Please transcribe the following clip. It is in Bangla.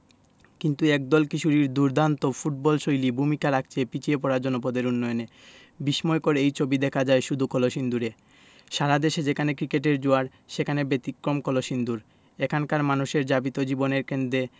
কিন্তু একদল কিশোরীর দুর্দান্ত ফুটবলশৈলী ভূমিকা রাখছে পিছিয়ে পড়া জনপদের উন্নয়নে বিস্ময়কর এই ছবি দেখা যায় শুধু কলসিন্দুরে সারা দেশে যেখানে ক্রিকেটের জোয়ার সেখানে ব্যতিক্রম কলসিন্দুর এখানকার মানুষের যাপিত জীবনের কেন্দ্রে